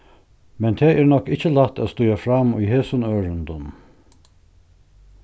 men tað er nokk ikki lætt at stíga fram í hesum ørindum